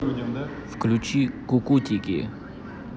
включи кукутики